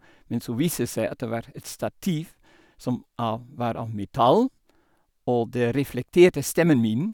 Men så viste det seg at det var et stativ som av var av metall, og det reflekterte stemmen min.